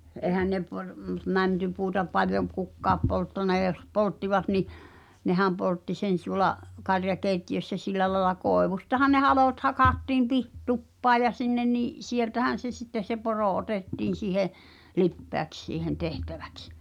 eihän ne -- mäntypuuta paljon - kukaan polttanut ja jos polttivat niin nehän poltti sen tuolla karjakeittiössä sillä lailla koivustahan ne halot hakattiin - tupaan ja sinne niin sieltähän se sitten se poro otettiin siihen lipeäksi siihen tehtäväksi